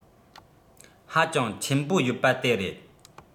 ཧ ཅང ཆེན པོ ཡོད པ དེ རེད